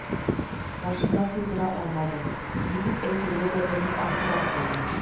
Башына сыйдыра алмады, ни дип әйтергә дә белми аптырап калды